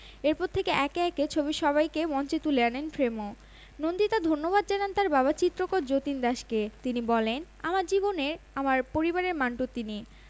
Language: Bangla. আজ এই বিশেষ দিনে তিনি আমার সঙ্গে আছেন এর চেয়ে বড় অর্জন আর হতে পারে না নওয়াজ তার অনুভূতির কথা জানাতে গিয়ে বলেন কান উৎসব শুধু ছবিই নয় আমাদের উপমহাদেশের সাহিত্যের প্রাচুর্যও দেখতে পেল